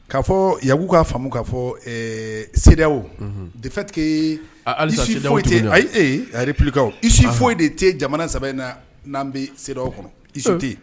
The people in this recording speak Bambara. K'a fɔɔ Yagu k'a famu ka fɔ ɛɛ CDEAO unhun de fait que issue a alisa CDEAO ayi ee a _réplica u issue foyi de te jamana 3 in na n'an bee CDEAO kɔnɔ ee issue te ye